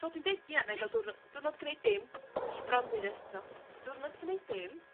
fel dwi'n deud ia nâi gael diwrno- diwrnod gwneud dim nes i bron deud o eto diwrnond gneud dim.